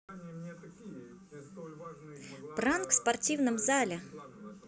пранк в спортивном зале